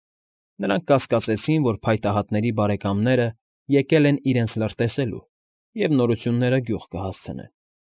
Նրանք կասկածեցին, որ փայտահատների բարեկամները եկել են իրենց լրտեսելու և նորությունները գյուղ կհասցնեն։